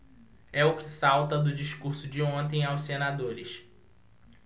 é o que salta do discurso de ontem aos senadores